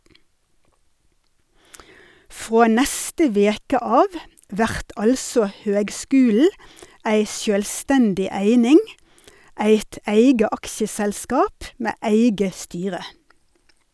Frå neste veke av vert altså høgskulen ei sjølvstendig eining, eit eige aksjeselskap med eige styre.